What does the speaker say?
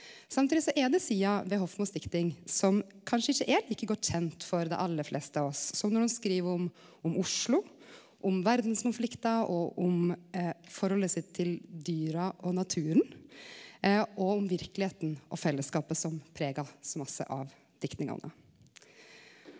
samtidig så er det sider ved Hofmos dikting som kanskje ikkje er like godt kjent for dei aller fleste av oss som når ho skriv om om Oslo om verdskonfliktar og om forholdet sitt til dyra og naturen og om verkelegheita og fellesskapet som prega så masse av diktingane.